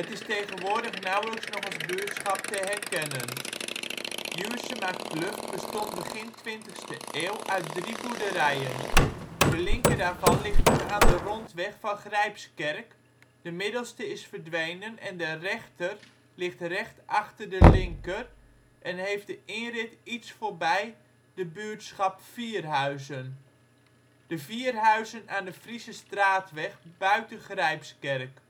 is tegenwoordig nauwelijks nog als buurtschap te herkennen. Juursemakluft bestond begin 20e eeuw uit drie boerderijen; de linker daarvan ligt nu aan de rondweg van Grijpskerk, de middelste is verdwenen en de rechter ligt recht achter de linker en heeft de inrit iets voorbij het buurtschap ' 4-Huizen '; de vier huizen aan de Friesestraatweg buiten Grijpskerk